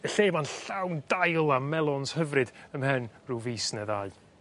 y lle 'ma'n llawn dail a melons hyfryd ymhen rhyw fis ne' ddau.